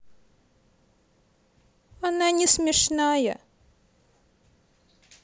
она не смешная